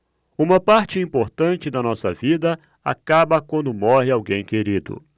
uma parte importante da nossa vida acaba quando morre alguém querido